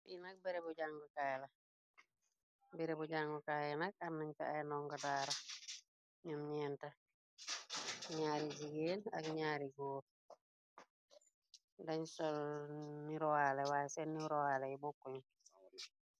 Li nak bere bu jàngukaayyi nag amnañ ca ay ndonga daara. Nyoom ñyeenta ñyaari jigeen. Ak ñyaari góor dañ sol ni roale waaye seenni roale yi bokku ñu.